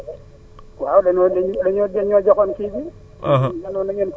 comme que xamagu leen ko ngeen xam ko moo tax émission bi am na solo lool